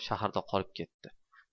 shaharda qolib ketdi